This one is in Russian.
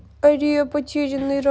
ария потерянный рай